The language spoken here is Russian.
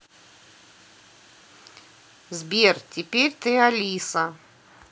сбер теперь ты алиса